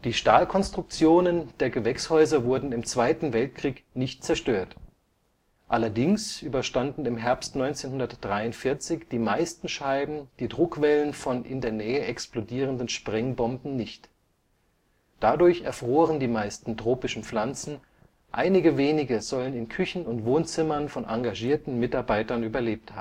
Stahlkonstruktionen der Gewächshäuser wurden im Zweiten Weltkrieg nicht zerstört. Allerdings überstanden im Herbst 1943 die meisten Scheiben die Druckwellen von in der Nähe explodierenden Sprengbomben nicht. Dadurch erfroren die meisten tropischen Pflanzen, einige wenige sollen in Küchen und Wohnzimmern von engagierten Mitarbeitern überlebt